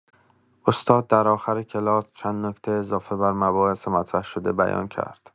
استاد در آخر کلاس، چند نکته اضافه بر مباحث مطرح‌شده بیان کرد.